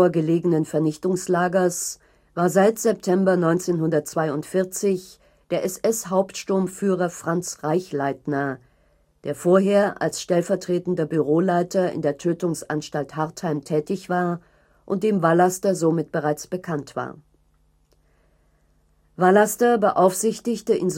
gelegenen Vernichtungslagers war seit September 1942 der SS-Hauptsturmführer Franz Reichleitner, der vorher als Stellvertretender Büroleiter in der Tötungsanstalt Hartheim tätig war und dem Vallaster somit bereits bekannt war. Vallaster beaufsichtigte in